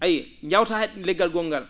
a yiyi njawtaa le?gal gonngal